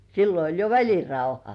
silloin oli jo välirauha